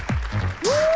kìa